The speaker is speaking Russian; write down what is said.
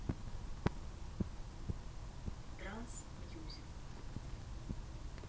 транс мьюзик